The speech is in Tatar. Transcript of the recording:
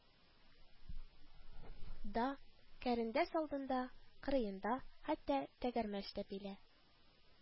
Да, кәрендәс алдында, кырыенда, хәтта тәгәрмәч тәпилә